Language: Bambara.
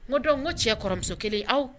Ngo donc nko cɛ kɔrɔmuso kelen aw